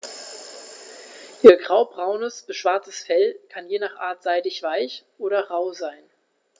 Ihr graubraunes bis schwarzes Fell kann je nach Art seidig-weich oder rau sein.